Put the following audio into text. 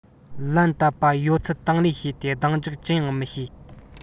ལན བཏབ པ ཡོད ཚད དང ལེན བྱས ཏེ གདེང འཇོག ཅི ཡང མི བྱེད